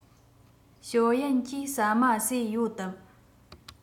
ཞའོ ཡན གྱིས ཟ མ ཟོས ཡོད དམ